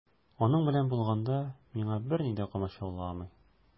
Аның белән булганда миңа берни дә комачауламый.